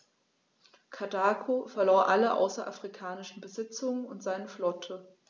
Karthago verlor alle außerafrikanischen Besitzungen und seine Flotte.